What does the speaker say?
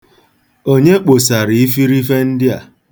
Onye kposara ifirife ndị a?